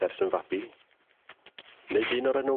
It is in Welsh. ...ers yn fabi? Neu dyn o'r enw...